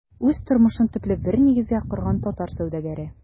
Үз тормышын төпле бер нигезгә корган татар сәүдәгәре.